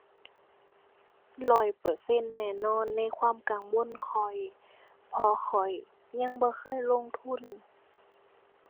ร้อยเปอร์เซ็นต์แน่นอนในความกังวลข้อย เพราะข้อยยังบ่เคยลงทุน